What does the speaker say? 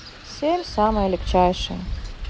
семь самое легчайшее